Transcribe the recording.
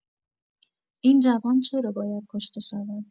این جوان، چرا باید کشته شود؟!